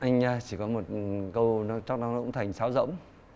anh chỉ có một cầu nối cho năng lượng thành sáo rỗng